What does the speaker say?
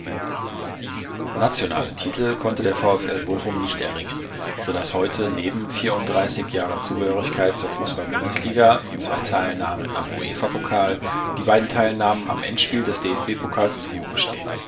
Nationale Titel konnte der VfL Bochum nicht erringen, so dass heute neben vierunddreißig Jahren Zugehörigkeit zur Fußball-Bundesliga und zwei Teilnahmen am UEFA-Pokal die beiden Teilnahmen am Endspiel des DFB-Pokals zu Buche stehen